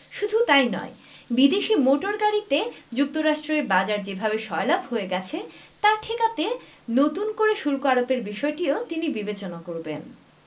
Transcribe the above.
শুধু তা ই নয় বিদেশি মোটর গাড়িতে যুক্তরাষ্ট্রের বাজার যেভাবে সয়লাব হয়ে গেছে তা ঠেকাতে নতুন করে শুল্ক আরোপের বিষয়টিও তিনি বিবেচনা করবেন